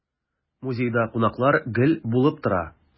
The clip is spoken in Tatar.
Музейда кунаклар гел булып тора.